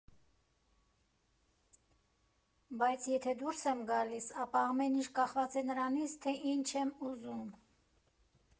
Բայց եթե դուրս եմ գալիս, ապա ամեն ինչ կախված է նրանից, թե ինչ եմ ուզում։